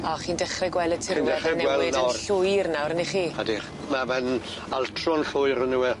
O chi'n dechre gwel' y yn llwyr nawr 'yn 'ych chi? Ydych. Ma' fe'n altro'n llwyr on' yw e?